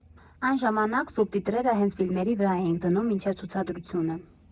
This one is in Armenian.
Այն ժամանակ սուբտիտրերը հենց ֆիլմերի վրա էինք դնում մինչև ցուցադրությունը։